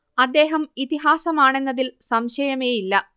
അദ്ദേഹം ഇതിഹാസമാണെന്നതിൽ സംശയമേയില്ല